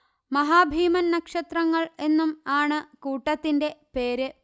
മഹാഭീമൻനക്ഷത്രങ്ങൾ എന്നും ആണ് കൂട്ടത്തിന്റെ പേര്